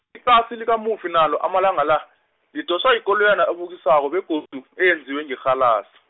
ikasi likamufi nalo amalanga la, lidoswa yikoloyana ebukisako, begodu, eyenziwe ngerhalasi.